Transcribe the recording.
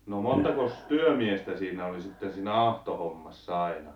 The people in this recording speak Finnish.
no montakos työmiestä siinä oli sitten siinä ahtohommassa aina